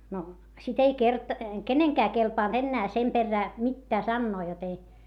no sitten ei - kenenkään kelvannut enää sen perään mitään sanoa jotta ei